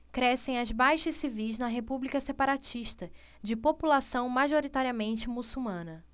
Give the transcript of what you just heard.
crescem as baixas civis na república separatista de população majoritariamente muçulmana